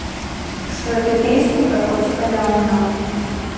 что это песня про котика мяу мяу